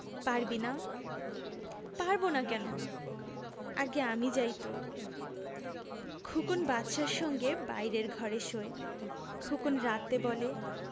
পারবি না পারব না কেন আগে আমি যাই তো খোকন বাদশার সঙ্গে বাইরের ঘরে শোয় খোকন রাতে বলে